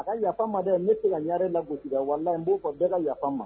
A ka yafa ma ne se ka ɲare la gosi la wala n b'o fɔ bɛka ka yafa ma